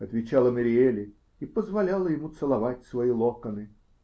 -- отвечала Мэриели и позволяла ему целовать свои локоны.